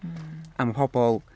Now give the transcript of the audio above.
Mm... A ma' pobl...